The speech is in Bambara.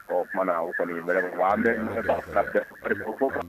Ɔ o t tumaumana o kɔni an bɛ